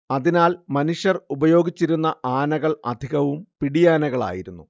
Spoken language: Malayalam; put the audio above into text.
അതിനാൽ മനുഷ്യർ ഉപയോഗിച്ചിരുന്ന ആനകൾ അധികവും പിടിയാനകളായിരുന്നു